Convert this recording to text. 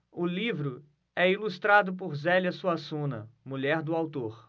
o livro é ilustrado por zélia suassuna mulher do autor